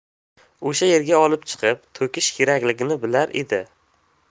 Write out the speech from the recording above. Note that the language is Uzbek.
o'sha yerga olib chiqib to'kish kerakligini bilar edi